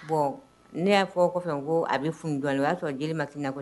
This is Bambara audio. Bɔn ne y'a fɔ kɔfɛ ko a bɛ fun jɔn o'a sɔrɔ jeli ma k'ina